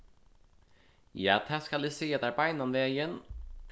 ja tað skal eg siga tær beinanvegin